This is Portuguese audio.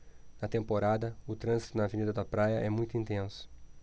na temporada o trânsito na avenida da praia é muito intenso